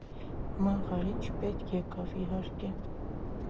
Մաղարիչ պետք եկավ, իհարկե։